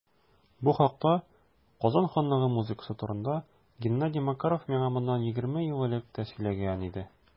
Бу хакта - Казан ханлыгы музыкасы турында - Геннадий Макаров миңа моннан 20 ел элек тә сөйләгән иде.